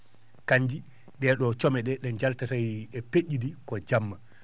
kanni ?ee ?oo come ?e njaltata e pe??i ?i ko jamma